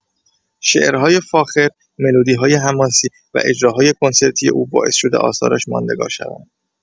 شعرهای فاخر، ملودی‌های حماسی و اجراهای کنسرتی او باعث شده آثارش ماندگار شوند.